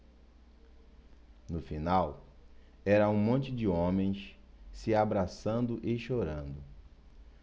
no final era um monte de homens se abraçando e chorando